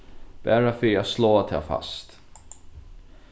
bara fyri at sláa tað fast